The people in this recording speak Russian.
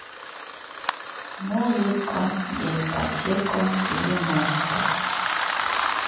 музыка дискотека девяностых